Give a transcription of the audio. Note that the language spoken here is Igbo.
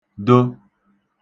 -do